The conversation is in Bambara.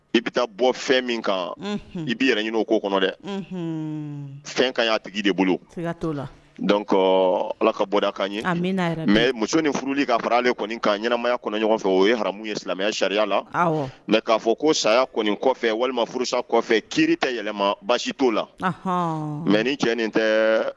I bɛ taa bɔ fɛn min kan i bɛ yɛrɛ ɲinin o ko kɔnɔ dɛ ka' tigi de bolo ala ka bɔ muso ni furu ka fara ɲɛnamaya kɔnɔ ɲɔgɔnfɛ o yemu ye silamɛya sariya la mɛ k'a fɔ ko saya kɔfɛ walima furusa kɔfɛ ki tɛ yɛlɛma baasi t' la mɛ ni cɛ nin tɛ